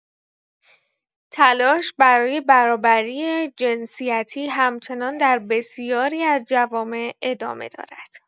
تلاش برای برابری جنسیتی همچنان در بسیاری از جوامع ادامه دارد.